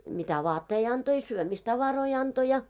mitä vaatteita antoi i syömistavaroita antoi ja